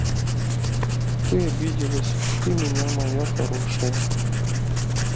ты обиделась ты меня моя хорошая